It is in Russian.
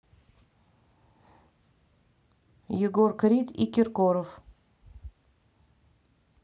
егор крид и киркоров